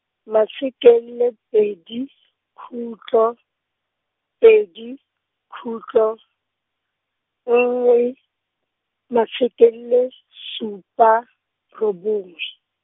mase kile le pedi, khutlo, pedi, khutlo, nngwe, mase kile, supa, robongwe.